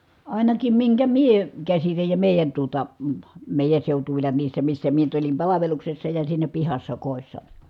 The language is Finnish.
ainakin minkä minä käsitän ja meidän tuota - meidän seutuvilla niissä missä minä nyt olin palveluksessa ja siinä pihassa kodissa